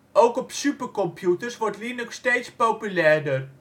Ook op supercomputers wordt Linux steeds populairder